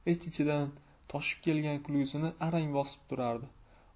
ich ichidan toshib kelgan kulgisini arang bosib turardi